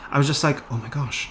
I was just like "oh my gosh!"